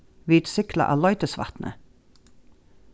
vit sigla á leitisvatni